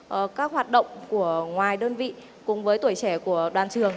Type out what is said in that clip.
ờ các hoạt động của ngoài đơn vị cùng với tuổi trẻ của đoàn trường